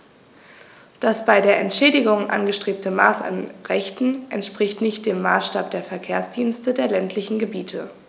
Das bei der Entschädigung angestrebte Maß an Rechten entspricht nicht dem Maßstab der Verkehrsdienste der ländlichen Gebiete.